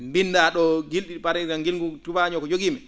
binnda ?o gil?i par exemple ngilngu tubaaño ko jogiimi